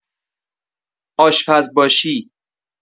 آشپز باشی